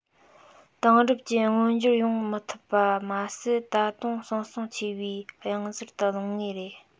དེང རབས ཅན མངོན འགྱུར ཡོང མི ཐུབ པ མ ཟད ད དུང ཟང ཟིང ཆེ བའི གཡང གཟར དུ ལྷུང ངེས རེད